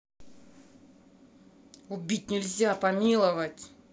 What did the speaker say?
убить нельзя помиловать